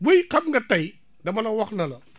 buy xam nga tey dama la wax ne la